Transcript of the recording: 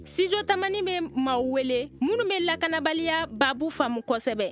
studio tamani bɛ maaw wele minnu bɛ lakanabaliya baabu faamu kosɛbɛ